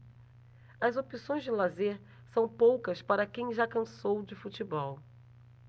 as opções de lazer são poucas para quem já cansou de futebol